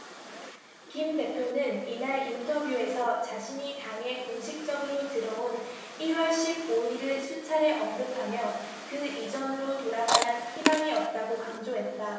김 대표는 이날 인터뷰에서 자신이 당에 공식적으로 들어온 일 월 십 오 일을 수차례 언급하며 그 이전으로 돌아가면 희망이 없다고 강조했다